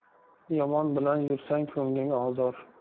yomon bilan yursang ko'ngling ozar